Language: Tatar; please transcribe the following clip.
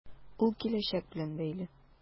Ул киләчәк белән бәйле.